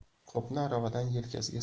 qopni aravadan yelkasiga